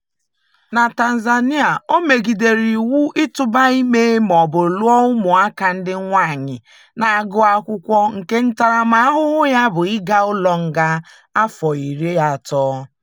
Na Tanzania, o megidere iwu itụba ime ma ọ bu lụọ ụmụaka ndị nwaanyị na-agụ akwụkwọ nke ntaramahụhụ ya bụ ịga ụlọ nga afọ 30.